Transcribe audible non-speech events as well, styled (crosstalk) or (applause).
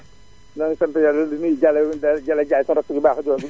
ñoo ngi sant Yàlla bu wér di nuyu Jalle (noise) Jalle Ndiaye sa rakk ju baax jooju (laughs)